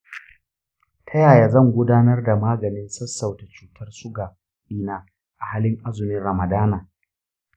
ta yaya zan gudanar da maganin sassauta cutar suga ɗina a halin azumin ramadana?